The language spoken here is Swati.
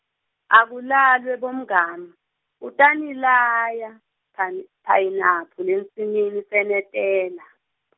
Akulalwe bomngamu, utanilaya, phani, phayinaphu, lensimini senetela.